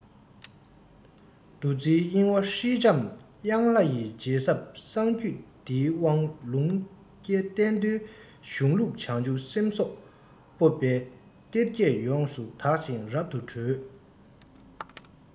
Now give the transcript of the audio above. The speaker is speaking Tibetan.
འདུ འཛིའི གཡེང བ ཧྲིལ འཇམ དབྱངས ལྷ ཡིས རྗེས ཟབ གསང རྒྱུད སྡེའི དབང ལུང རྒྱལ བསྟན མདོ སྡེའི གཞུང ལུགས བྱང ཆུབ སེམས སོགས སྤོབས པའི གཏེར བརྒྱད ཡོངས སུ དག ཅིང རབ ཏུ གྲོལ